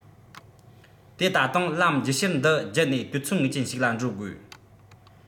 དེ ད དུང ལམ རྗེས ཤུལ འདི བརྒྱུད ནས དུས ཚོད ངེས ཅན ཞིག ལ འགྲོ དགོས